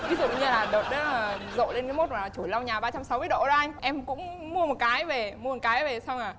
ví dụ như đợt đấy nó là rộ nên cái mốt chổi lau nhà ba trăm sau mươi độ đó anh em cũng mua một cai về mua một cái về xong à